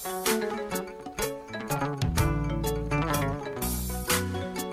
Sanunɛgɛnin